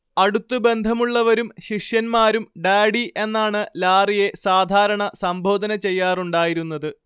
അടുത്തു ബന്ധമുള്ളവരും ശിഷ്യന്മാരും ഡാഡി എന്നാണ് ലാറിയെ സാധാരണ സംബോധന ചെയ്യാറുണ്ടായിരുന്നത്